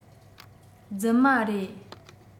རྫུན མ རེད